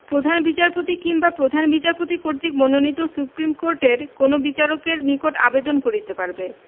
প্রধান বিচারপতি কিংবা প্রধান বিচারপতি কর্তৃক মনোনীত সুপ্রীম কোর্টের কোন বিচারকের নিকট আবেদন করিতে পারিবে